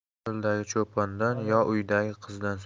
cho'ldagi cho'pondan yo uydagi qizdan so'ra